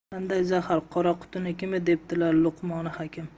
qanday zahar qora qurtnikimi debdilar luqmoni hakim